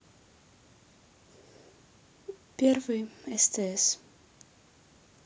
первый стс